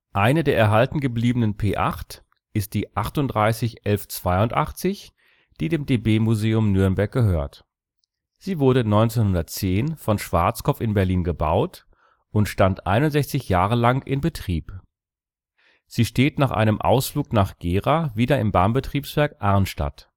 Eine der erhalten gebliebenen P8 ist die 38 1182, die dem DB Museum Nürnberg gehört. Sie wurde 1910 von Schwartzkopff in Berlin gebaut und stand 61 Jahre lang in Betrieb. Sie steht nach einem Ausflug nach Gera wieder im Bahnbetriebswerk Arnstadt